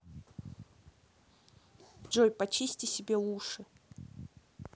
джой почисти себе уши